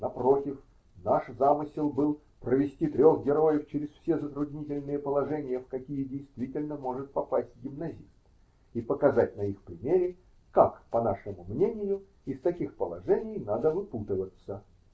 напротив, наш замысел был -- провести трех героев через все затруднительные положения, в какие действительно может попасть гимназист, и показать на их примере, как, по нашему мнению, из таких положений надо выпутываться.